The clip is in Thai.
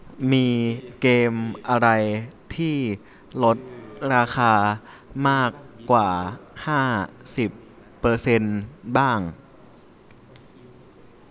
มีเกมอะไรที่ลดราคามากกว่าห้าสิบเปอร์เซนต์บ้าง